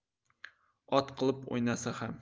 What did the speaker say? ot qilib o'ynasa ham